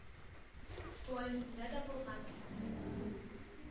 Туалетында да булган,